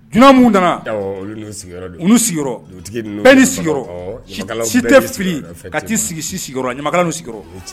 Dunan minnu nana sigiyɔrɔ bɛɛ ni sigiyɔrɔ si tɛ fili ka sigi si sigiyɔrɔ ɲamakala sigiyɔrɔ